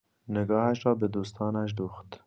نگاهش را به دوستانش دوخت.